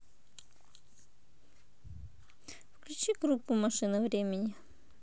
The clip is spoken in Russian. включи группу машина времени